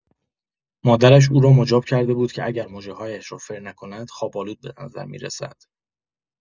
مادرش او را مجاب کرده بود که اگر مژه‌هایش را فر نکند خواب‌آلود به نظر می‌رسد.